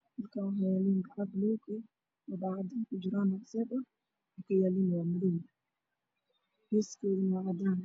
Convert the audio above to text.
Meeshan cayaarad farxad madow inka sacad ah ku jiraan oo madow gees kale jaalo